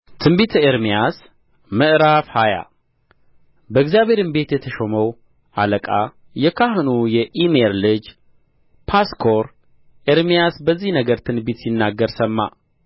ትንቢተ ኤርምያስ ምዕራፍ ሃያ በእግዚአብሔርም ቤት የተሾመው አለቃ የካህኑ የኢሜር ልጅ ጳስኮር ኤርምያስ በዚህ ነገር ትንቢት ሲናገር ሰማ